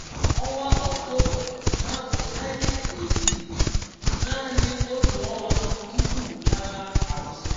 na 4 Oktoba 1918 - naanị otu ọnwa tupu agha akwụsị.